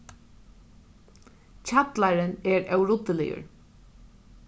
kjallarin er óruddiligur